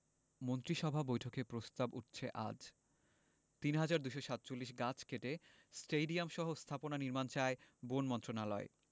মন্ত্রিসভা বৈঠকে প্রস্তাব উঠছে আজ ৩২৪৭ গাছ কেটে স্টেডিয়ামসহ স্থাপনা নির্মাণ চায় বন মন্ত্রণালয়